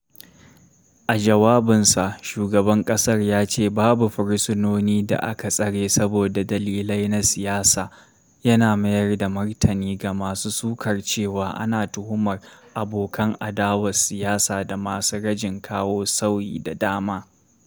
A jawabinsa, shugaban ƙasar ya ce “babu fursunonin da aka tsare saboda dalilai na siyasa,” yana mayar da martani ga masu sukar cewa ana tuhumar abokan adawar siyasa da masu rajin kawo sauyi da dama.